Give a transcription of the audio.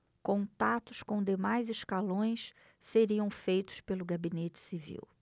contatos com demais escalões seriam feitos pelo gabinete civil